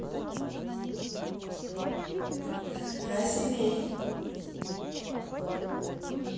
красивей